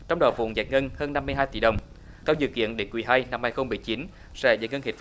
trong đó vốn giải ngân hơn năm mươi hai tỷ đồng theo dự kiến đến quý hai năm hai không mười chín sẽ giải ngân hết